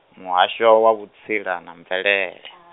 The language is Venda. Muhasho wa Vhutsila na Mvelele.